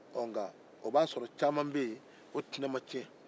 ɔɔ o b'a sɔrɔ caman bɛ yen u tɛnɛ ma tiɲɛ